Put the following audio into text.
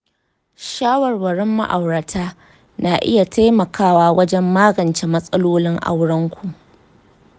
shawarwarin ma'aurata na iya taimakawa wajan magance matsalolin aurenku.